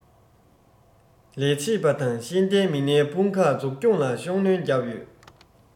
ལས བྱེད པ དང ཤེས ལྡན མི སྣའི དཔུང ཁག འཛུགས སྐྱོང ལ ཤུགས སྣོན བརྒྱབ ཡོད